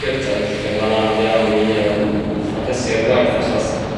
gynta' 'nes i ffeindo fe'n anodd iawn i ymm ffocysu ar gwaith achos